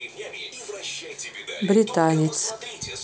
британец